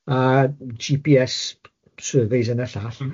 A Gee Pee Ess surveys hyn y llall... M-hm.